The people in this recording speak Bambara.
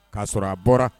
K'a sɔrɔ a bɔra